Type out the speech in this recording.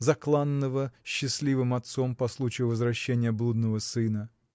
закланного счастливым отцом по случаю возвращения блудного сына.